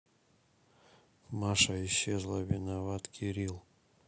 маша исчезла виноват кирилл